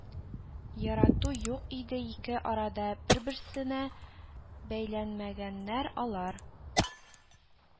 Ярату юк иде ике арада, берберсенә бәйләнмәгәннәр алар